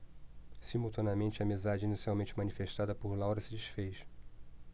simultaneamente a amizade inicialmente manifestada por laura se disfez